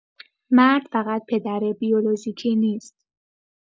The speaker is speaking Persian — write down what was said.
مرد فقط پدر بیولوژیکی نیست؛